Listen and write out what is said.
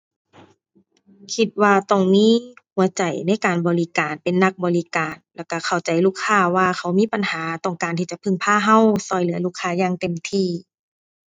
คิดว่าต้องมีหัวใจในการบริการ เป็นนักบริการ แล้วก็เข้าใจลูกค้าว่าเขามีปัญหา ต้องการที่จะพึ่งพาก็ ก็เหลือลูกค้าอย่างเต็มที่